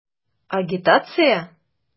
Агитация?!